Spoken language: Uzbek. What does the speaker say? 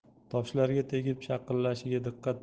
toshlarga tegib shaqillashiga diqqat